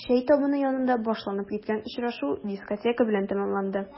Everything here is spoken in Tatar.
Чәй табыны янында башланып киткән очрашу дискотека белән тәмамланды.